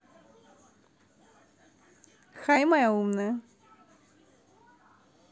хай моя умная